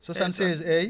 76